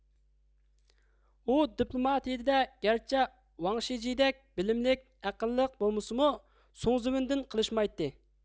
ئۇ دىپلوماتىيىدە گەرچە ۋاڭشىجيېدەك بىلىملىك ئەقىللىق بولمىسىمۇ سۇڭزىۋېندىن قېلىشمايتتى